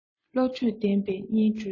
བློ གྲོས ལྡན པ གཉིས བགྲོས ན